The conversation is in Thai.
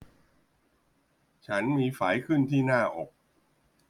ฉันมีไฝขึ้นที่หน้าอก